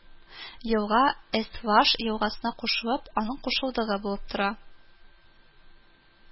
Елга Эстваж елгасына кушылып, аның кушылдыгы булып тора